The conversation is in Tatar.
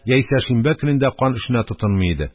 Яисә шимбә көнендә кан эшенә тотынмый иде.